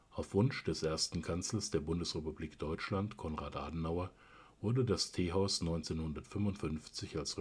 Auf Wunsch des ersten Kanzlers der Bundesrepublik Deutschland, Konrad Adenauer wurde das Teehaus 1955 als